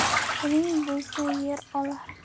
puling bo'lsa yer ol